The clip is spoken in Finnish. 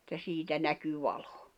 että siitä näkyi valo